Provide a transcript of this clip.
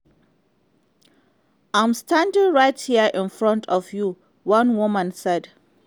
"I'm standing right here in front of you," one woman said.